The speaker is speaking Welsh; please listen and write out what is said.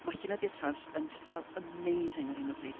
Mae llenyddiaith traws yn jyst fel amazing ar hyn o bryd.